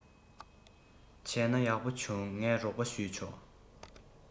བྱས ན ཡག པོ བྱུང ངས རོགས པ ཞུས ཆོག